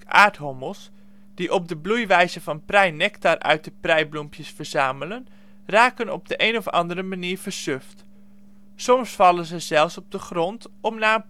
aardhommels) die op de bloeiwijze van prei nectar uit de preibloempjes verzamelen raken op de een of andere manier versuft. Soms vallen ze zelfs op de grond om na